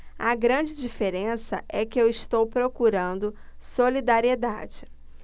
a grande diferença é que eu estou procurando solidariedade